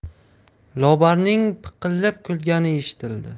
lobarning piqillab kulgani eshitildi